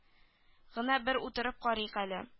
Гына бер утырып карыйк әле